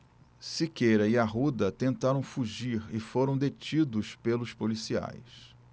siqueira e arruda tentaram fugir e foram detidos pelos policiais